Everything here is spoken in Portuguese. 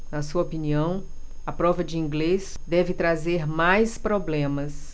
na sua opinião a prova de inglês deve trazer mais problemas